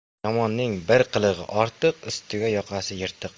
yomonning bir qilig'i ortiq ustiga yoqasi yirtiq